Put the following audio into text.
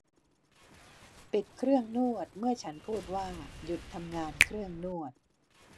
ปิดเครื่องนวดเมื่อฉันพูดว่าหยุดทำงานเครื่องนวด